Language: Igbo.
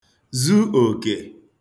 zu òkè